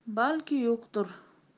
balki yo'qdir